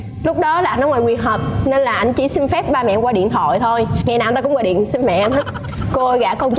lúc đó là anh ở ngoài ngụy hợp nên là ảnh chỉ xin phép ba mẹ qua điện thoại thôi ngày nào anh cũng gọi điện xin mẹ hết cô gả con